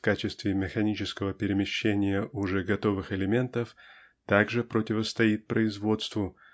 в качестве механического перемещения уже готовых элементов также противостоит производству